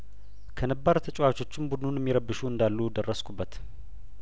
ከነባር ተጫዋቾቹም ቡድኑን የሚረብሹ እንዳሉ ደረስኩበት